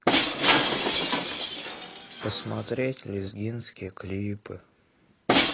посмотреть лезгинские клипы